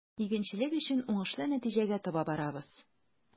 Игенчелек өчен уңышлы нәтиҗәгә таба барабыз.